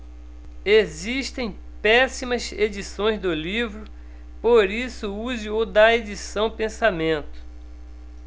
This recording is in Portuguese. existem péssimas edições do livro por isso use o da edição pensamento